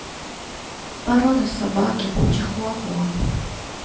порода собаки чихуа хуа